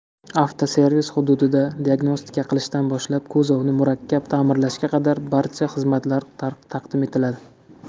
avtoservis hududida diagnostika qilishdan boshlab kuzovni murakkab ta'mirlashga qadar barcha xizmatlar taqdim etiladi